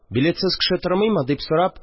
Билетсыз кеше тормыймы?» – дип сорап